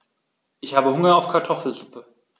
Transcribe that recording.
Ich habe Hunger auf Kartoffelsuppe.